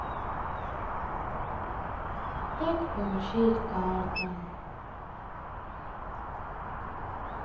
как получить карту